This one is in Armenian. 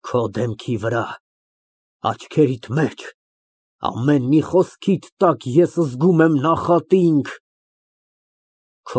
Քո դեմքի վրա, աչքերիդ մեջ, ամեն խոսքիդ տակ ես զգում եմ նախատինք։